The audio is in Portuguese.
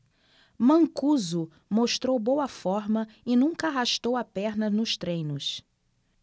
mancuso mostrou boa forma e nunca arrastou a perna nos treinos